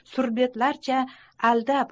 surbetlarcha aldab